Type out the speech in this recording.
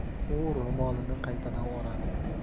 u ro'molini qaytadan o'radi